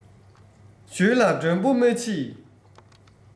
ཞོལ ལ མགྲོན པོ མ མཆིས